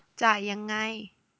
จ่ายยังไง